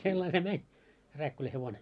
sillä lailla se meni Rääkkylän hevonen